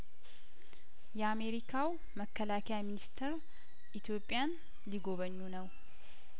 የአሜሪካው መከላከያ ሚኒስትር ኢትዮጵያን ሊጐበኙ ነው